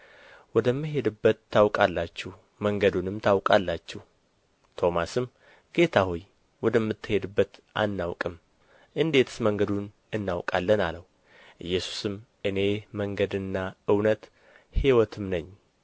ወደምሄድበትም ታውቃላችሁ መንገዱንም ታውቃላችሁ ቶማስም ጌታ ሆይ ወደምትሄድበት አናውቅም እንዴትስ መንገዱን እናውቃለን አለው ኢየሱስም እኔ መንገድና እውነት ሕይወትም ነኝ